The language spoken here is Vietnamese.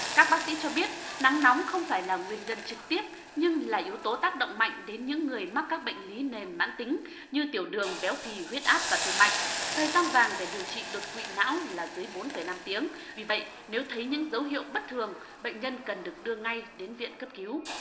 các bác sĩ cho biết nắng nóng không phải là nguyên nhân trực tiếp nhưng là yếu tố tác động mạnh đến những người mắc các bệnh lý nền mãn tính như tiểu đường béo phì huyết áp và tim mạch thời gian vàng để điều trị đột quỵ não là dưới bốn phẩy năm tiếng vì vậy nếu thấy những dấu hiệu bất thường bệnh nhân cần được đưa ngay đến viện cấp cứu